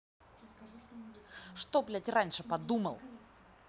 что блять раньше подумал